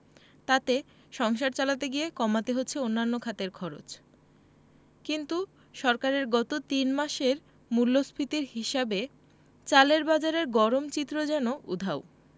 তাতে সংসার চালাতে গিয়ে কমাতে হচ্ছে অন্যান্য খাতের খরচ কিন্তু সরকারের গত তিন মাসের মূল্যস্ফীতির হিসাবে চালের বাজারের গরম চিত্র যেন উধাও